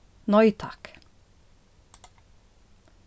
nei takk